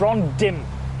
Bron dim.